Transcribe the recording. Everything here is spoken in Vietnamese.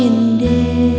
đê